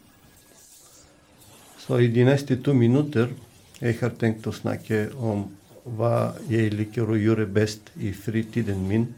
Så i de neste to minutter, jeg har tenkt å snakke om hva jeg liker å gjøre best i fritiden min.